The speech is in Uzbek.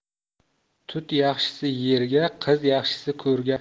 tut yaxshisi yerga qiz yaxshisi ko'rga